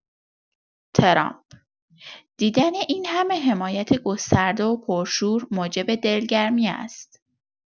ترامپ: دیدن این همه حمایت گسترده و پرشور موجب دلگرمی است.